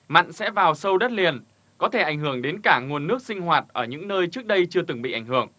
mặn sẽ vào sâu đất liền có thể ảnh hưởng đến cả nguồn nước sinh hoạt ở những nơi trước đây chưa từng bị ảnh hưởng